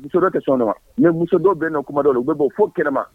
Muso dɔ tɛ sɔn nɔ wa mɛ muso dɔw bɛn na kuma dɔw u bɛ'o fo kɛnɛma